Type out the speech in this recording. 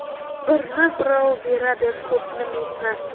birni birov beradi ko'pni mehnat